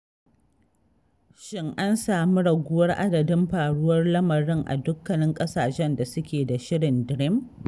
Shin an samu raguwar adadin faruwar lamarin a dukkanin ƙasashen da suke da shirin DREAM?